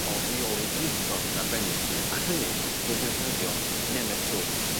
o reoli gwlithod yn arbennig a hynny trwy ddnefnyddio nematodes.